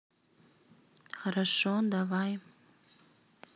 хорошо давай